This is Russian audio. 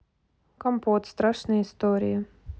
компот страшные истории